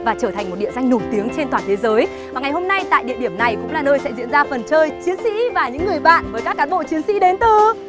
và trở thành một địa danh nổi tiếng trên toàn thế giới và ngày hôm nay tại địa điểm này cũng là nơi sẽ diễn ra phần chơi chiến sĩ và những người bạn với các cán bộ chiến sĩ đến từ